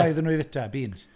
Rhoi iddyn nhw i fwyta beans?